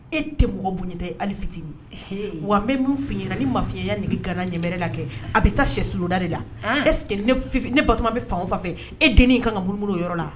E tɛ mɔgɔ bon ye ali fit wa bɛ min fiɲɛna ni maya ni bɛ gana ɲɛ la kɛ a bɛ taa sɛda de la e ne bato bɛ fan fɛ e dennin ka munumunu o yɔrɔ la